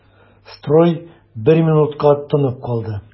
Строй бер минутка тынып калды.